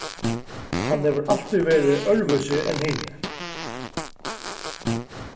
hann hevur altíð verið øðrvísi enn hini